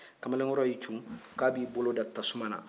kamalenkɔrɔ y'i cun ko a bɛ i bolo da tasuma na